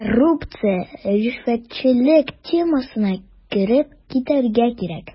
Коррупция, ришвәтчелек темасына кереп китәргә кирәк.